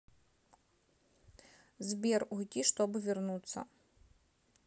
сбер уйти чтобы вернуться